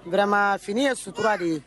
Urama fini ye sutura de ye